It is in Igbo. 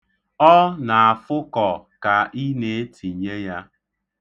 Ọ na-afụkọ ka ị na-etinye ya.